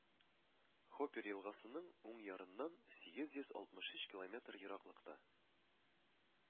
Хопер елгасының уң ярыннан сигез йөз алтмыш өч километр ераклыкта